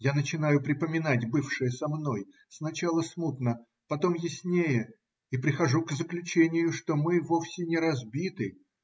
Я начинаю припоминать бывшее со мной, сначала смутно, потом яснее, и прихожу к заключению, что мы вовсе не разбиты.